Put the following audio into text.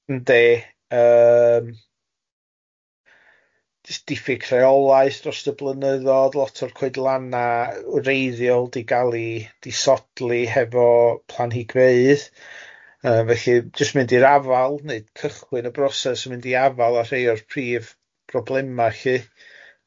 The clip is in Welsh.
Yndi yym, jyst diffyg rheolaeth dros y blynyddodd, lot o'r coedlanna wreiddiol di gal ei disodli hefo planhigfeydd. Yy felly jyst mynd i'r afal, neu cychwyn y broses o mynd i'r afal â rhai o'r prif broblema felly.